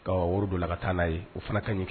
Ka woro don la ka taa n'a ye o fana ka ɲi